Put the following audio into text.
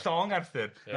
llong Arthur... Ia...